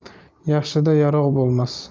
yaxshida yarog' bo'lmas